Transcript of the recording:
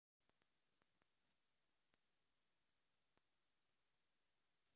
милана и даня милана